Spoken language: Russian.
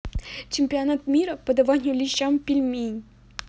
чемпионат мира по даванию лещам пельмень